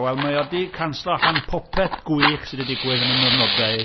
Wel, mae o 'di canslo allan popeth gwych sy 'di digwydd yn 'y niwrnodau i.